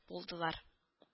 Булдылар